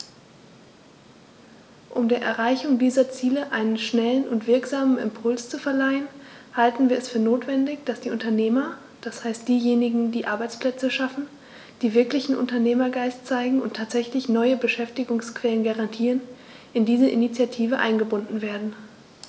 Um der Erreichung dieser Ziele einen schnellen und wirksamen Impuls zu verleihen, halten wir es für notwendig, dass die Unternehmer, das heißt diejenigen, die Arbeitsplätze schaffen, die wirklichen Unternehmergeist zeigen und tatsächlich neue Beschäftigungsquellen garantieren, in diese Initiative eingebunden werden.